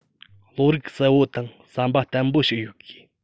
བློ རིག གསལ བོ དང བསམ པ བརྟན པོ ཞིག ཡོད དགོས